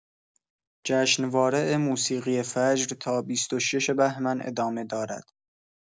جشنواره موسیقی فجر تا ۲۶ بهمن ادامه دارد.